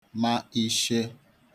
ma ishe